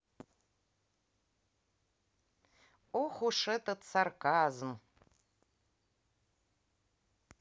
ох уж этот сарказм